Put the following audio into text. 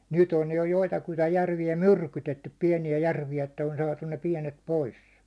nyt on jo joitakuita järviä myrkytetty pieniä järviä että on saatu ne pienet pois